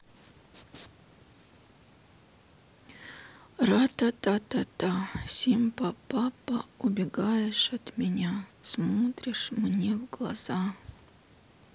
ратататата симпа па па убегаешь от меня смотришь мне в глаза